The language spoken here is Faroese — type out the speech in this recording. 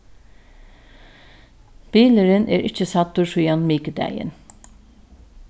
bilurin er ikki sæddur síðan mikudagin